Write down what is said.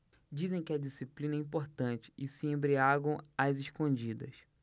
dizem que a disciplina é importante e se embriagam às escondidas